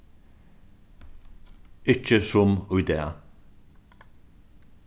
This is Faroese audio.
ikki sum í dag